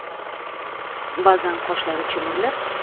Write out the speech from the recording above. ba'zan qoshlari chimirilib